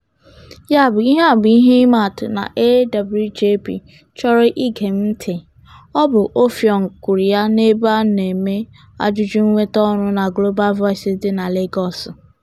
Ya bụ, ihe a bụ ihe ịmaatụ na AWJP chọrọ ige m ntị', Ọ bụ Offiong kwuru ya n'ebe a na-eme ajụjụ mnweta orụ na Global Voice dị na Lagos.